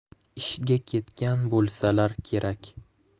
ishga ketgan bo'lsalar kerak